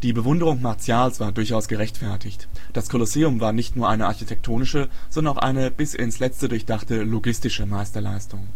Bewunderung Martials war durchaus gerechtfertigt. Das Kolosseum war nicht nur eine architektonische, sondern auch eine bis ins letzte durchdachte logistische Meisterleistung